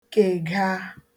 kègaà